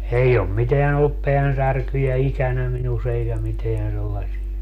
ei ole mitään ollut päänsärkyjä ikänä minussa eikä mitään sellaisia